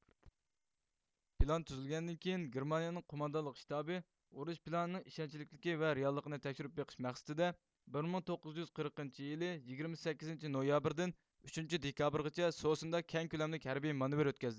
پىلان تۈزۈلگەندىن كېيىن گېرمانىيىنىڭ قوماندانلىق شتابى ئۇرۇش پىلانىنىڭ ئىشەنچلىكلىكى ۋە رېئاللىقىنى تەكشۈرۈپ بېقىش مەقسىتىدە بىر مىڭ توققۇز يۈز قىرىقىنچى يىلى يىگىرمە سەككىزىنچى نويابىردىن ئۈچىنچى دېكابىرغىچە سوسندا كەڭ كۆلەملىك ھەربىي مانېۋىر ئۆتكۈزدى